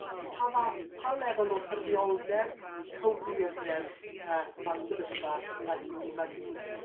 pa fath, pa lefel o ffurfioldeb, cywirdeb yy ma'r sefyllfa yn ei mynnu?